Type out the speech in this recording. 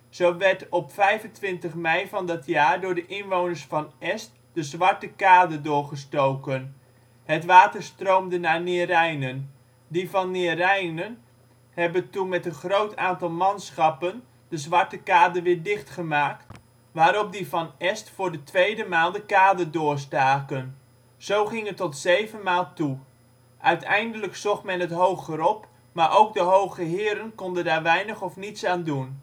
Zo werd op 25 maart van dat jaar door de inwoners van Est de Zwarte Kade doorgestoken. Het water stroomde naar Neerijnen. " Die van Neerijnen " hebben toen met een groot aantal manschappen de Zwarte Kade weer dichtgemaakt, waarop die van Est voor de tweede maal de kade doorstaken. Zo ging het door tot zevenmaal toe. Uiteindelijk zocht men het hogerop, maar ook de hoge heren konden daar weinig of niets aan doen